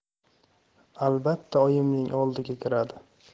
albatta oyimning oldiga kiradi